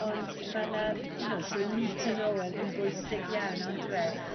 ond mae 'na you know so need to know yn bwysig iawn yndywe?